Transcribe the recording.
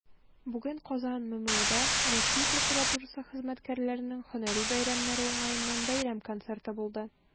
Бүген "Казан" ММҮдә Россия прокуратурасы хезмәткәрләренең һөнәри бәйрәмнәре уңаеннан бәйрәм концерты булды.